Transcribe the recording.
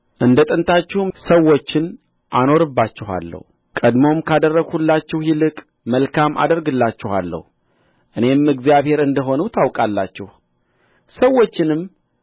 እንደ ጥንታችሁም ሰዎችን አኖርባችኋለሁ ቀድሞም ካደረግሁላችሁ ይልቅ መልካም አደርግላችኋለሁ እኔም እግዚአብሔር እንደ ሆንሁ ታውቃላችሁ ሰዎችንም